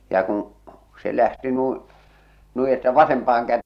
ja kun se lähti niin noin että vasempaan -